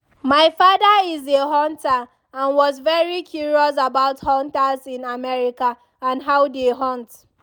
My father is a hunter and was very curious about hunters in America and how they hunt.